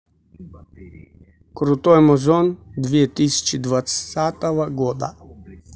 крутой музон две тысячи двадцатого года